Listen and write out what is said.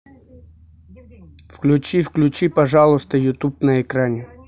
включи включи пожалуйста ютуб на экране